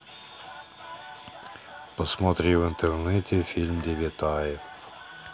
посмотри в интернете фильм девятаев